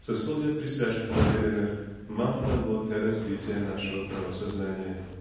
сословие присяжных поверенных мало дало для развития нашего правосознания.